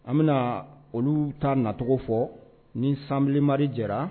An bɛna olu ta nacogo fɔ ni sanbilen mariri jɛra